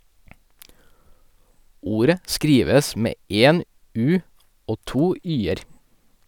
Ordet skrives med én "u" og to "y"-er.